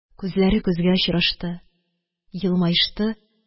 Күзләре күзгә очрашты, елмаешты,